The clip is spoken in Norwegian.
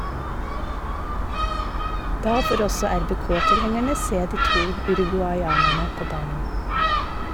Da får også RBK-tilhengerne se de to uruguayanerne på banen.